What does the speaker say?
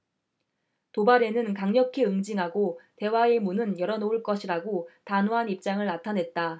도발에는 강력히 응징하고 대화의 문은 열어 놓을 것이라고 단호한 입장을 나타냈다